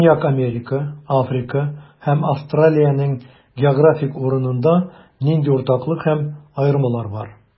Көньяк Америка, Африка һәм Австралиянең географик урынында нинди уртаклык һәм аермалар бар?